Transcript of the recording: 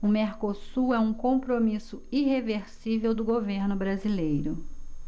o mercosul é um compromisso irreversível do governo brasileiro